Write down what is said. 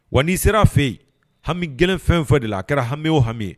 Wa n'i sera a fɛ yen hami gɛlɛn fɛn fɛ de la a kɛra hami o hami ye